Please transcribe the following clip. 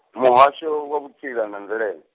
Muhasho wa Vhutsila na Mvelele.